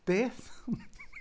Beth?